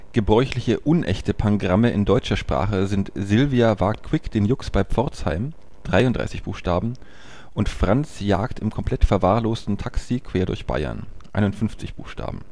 Gebräuchliche unechte Pangramme in deutscher Sprache sind Sylvia wagt quick den Jux bei Pforzheim (33 Buchstaben) und Franz jagt im komplett verwahrlosten Taxi quer durch Bayern (51 Buchstaben